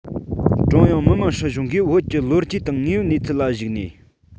ཀྲུང དབྱང མི དམངས སྲིད གཞུང གིས བོད ཀྱི ལོ རྒྱུས དང དངོས ཡོད གནས ཚུལ ལ གཞིགས ནས